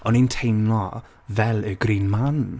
O'n i'n teimlo fel y green man.